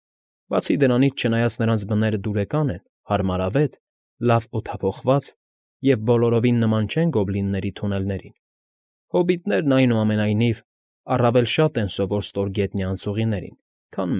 Բացի դրանից, չնայած նրանց բները դուրեկան են, հարմարավետ, լավ օդափոխված և բոլորովին նման չեն գոբլինների թունելներին, հոբիտներն, այնուամենայնիվ, առավել շատ են սովոր ստորգետնյա անցուղիներին, քան։